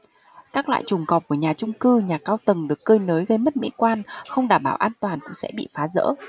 các loại chuồng cọp của nhà chung cư nhà cao tầng được cơi nới gây mất mỹ quan không đảm bảo an toàn cũng sẽ bị phá dỡ